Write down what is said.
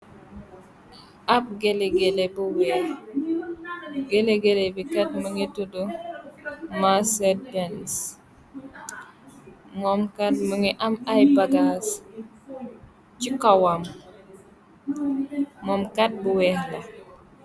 Ab gele gele bu weex. Gele gele bi kat mingi tuddu masedess. Mom kat mungi am ay bagaas ci kowam. MBom kat bu weex la.